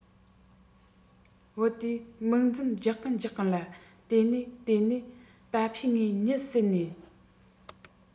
བུ དེས མིག འཛུམ རྒྱག གིན རྒྱག གིན ལ དེ ནས དེ ནས པ ཕས ངའི གཉིད བསད ནས